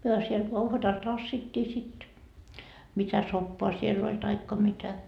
me siellä uhvatalla tassittiin sitten mitä soppaa siellä oli tai mitä